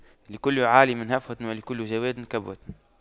لكل عالِمٍ هفوة ولكل جَوَادٍ كبوة